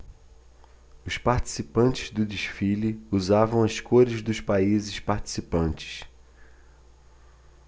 os participantes do desfile usavam as cores dos países participantes